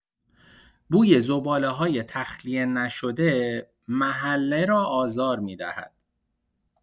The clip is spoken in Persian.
بوی زباله‌های تخلیه‌نشده، محله را آزار می‌دهد.